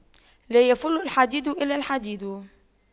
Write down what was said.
لا يَفُلُّ الحديد إلا الحديد